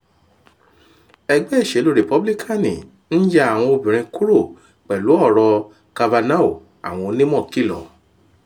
Ẹgbẹ́ Ìṣèlú Rìpúbílíkáànì ń ya àwọn obìnrin kúrò pẹ̀lú ọ̀rọ̀ Kavanaugh, Àwọn Onímọ̀ kìlọ̀